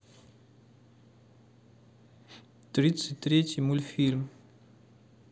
тридцать третий мультфильм